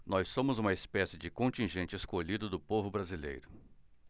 nós somos uma espécie de contingente escolhido do povo brasileiro